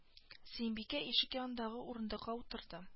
Сөембикә ишек янындагы урындыкка утырды